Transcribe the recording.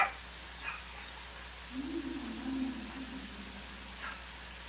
музыка маленький принц